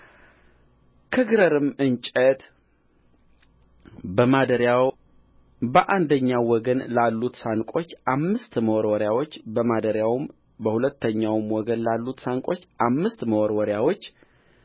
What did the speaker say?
ከግራርም እንጨት በማደሪያው በአንደኛው ወገን ላሉት ሳንቆች አምስት መወርወሪያዎች በማደሪያውም በሁለተኛው ወገን ላሉት ሳንቆች አምስት መወርወሪያዎች